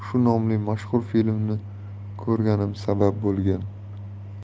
mashhur filmni ko'rganim sabab bo'lgan